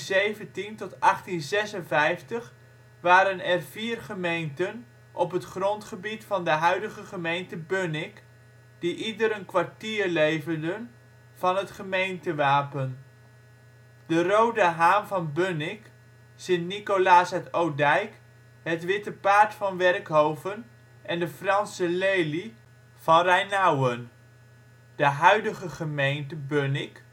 1817 tot 1856 waren er vier gemeenten op het grondgebied van de huidige gemeente Bunnik, die ieder een kwartier leverden van het gemeentewapen: de rode haan van Bunnik; St. Nicolaas uit Odijk; het Witte Paard van Werkhoven; en de Franse lelie (uit het Van Renesse-wapen) van Rhijnauwen. De huidige gemeente Bunnik